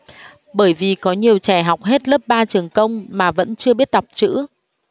bởi vì có nhiều trẻ học hết lớp ba trường công mà vẫn chưa biết đọc chữ